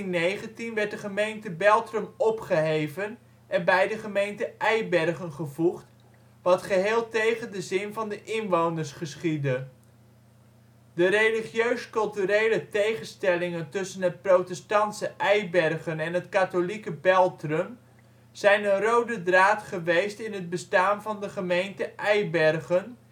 1819 werd de gemeente Beltrum opgeheven en bij de gemeente Eibergen gevoegd, wat geheel tegen de zin van de inwoners geschiedde. Brikken Bakken of Met mekare, veur mekare door Nicolas Dings aan de Meddoseweg in Zwolle De religieus-culturele tegenstellingen tussen het protestantse Eibergen en het katholieke Beltrum zijn een rode draad geweest in het bestaan van de gemeente Eibergen